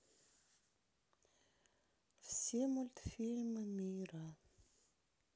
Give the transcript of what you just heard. все мультфильмы мира